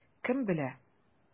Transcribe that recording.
Кем белә?